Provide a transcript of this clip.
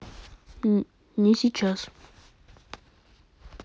не сейчас